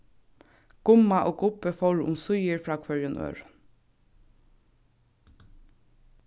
gumma og gubbi fóru umsíðir frá hvørjum øðrum